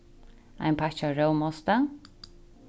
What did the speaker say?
ein pakki av rómaosti